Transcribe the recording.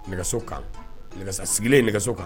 Nɛgɛso kan nɛgɛsa sigilen nɛgɛso kan